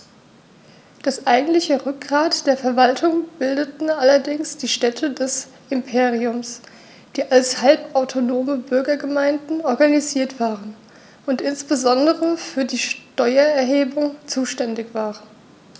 Das eigentliche Rückgrat der Verwaltung bildeten allerdings die Städte des Imperiums, die als halbautonome Bürgergemeinden organisiert waren und insbesondere für die Steuererhebung zuständig waren.